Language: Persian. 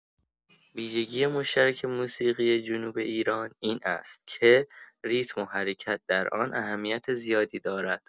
ویژگی مشترک موسیقی جنوب ایران این است که ریتم و حرکت در آن اهمیت زیادی دارد.